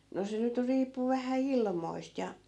no se nyt riippui vähän ilmoista ja